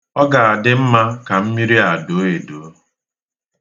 Ọ ga-adị mma ka mmiri a doo edo.